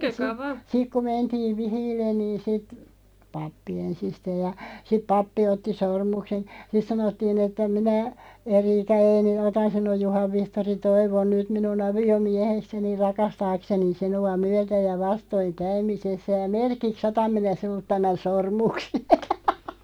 - sitten kun mentiin vihille niin sitten pappi ensisteen ja sitten pappi otti sormuksen sitten sanottiin että minä Erika Eeni otan sinun Juhan Vihtori Toivon nyt minun aviomiehekseni rakastaakseni sinua myötä- ja vastoinkäymisessä ja merkiksi otan minä sinulta tämän sormuksen